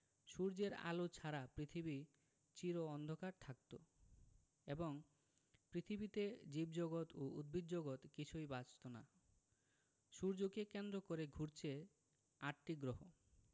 সূর্যের আলো ছাড়া পৃথিবী চির অন্ধকার থাকত এবং পৃথিবীতে জীবজগত ও উদ্ভিদজগৎ কিছুই বাঁচত না সূর্যকে কেন্দ্র করে ঘুরছে আটটি গ্রহ